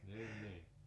niin niin